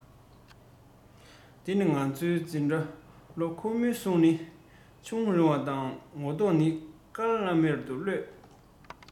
དི ནི ང ཚོའི འཛིན གྲྭ ལ ཁོ མོ གཟུགས ནི ཅུང རིང བ དང ངོ མདོག ནི དཀར ལམ མེར ཡློད